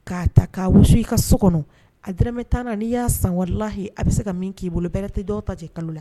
K'a ta k' wusu i ka so kɔnɔ a dmɛ taa na'i y'a san wɛrɛlahi a bɛ se ka min k'i bolo bɛɛɛrɛtɛ dɔw ta cɛ kalo la